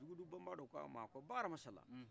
jugudu bamaadɔ ko a ma a ko bakaramasala